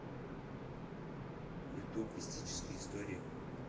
ютуб мистические истории